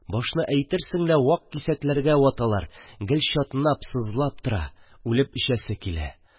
Башны әйтерсең лә вак кисәкләргә ваталар, гел чатнап, сызлап тора... үлеп эчәсе килә...